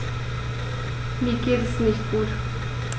Mir geht es nicht gut.